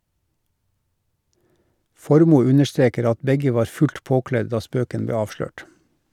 Formoe understreker at begge var fullt påkledd da spøken ble avslørt.